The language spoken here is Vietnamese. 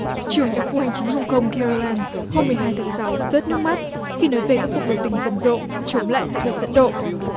trưởng đặc khu hành chính hồng công ca ri lam hôm mười hai tháng sáu rớt nước mắt khi nói về các cuộc biểu tình rầm rộ chống lại dự luật dẫn độ